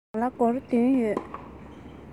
ང ལ སྒོར བདུན ཡོད